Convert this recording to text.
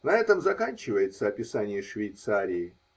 На этом заканчивается описание Швейцарии.